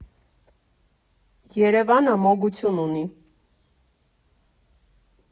Երևանը մոգություն ունի։